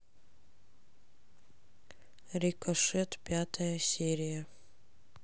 рикошет пятая серия